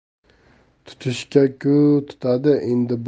tutishga ku tutadi endi